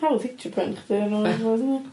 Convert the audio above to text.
Hawdd hitio pen chdi .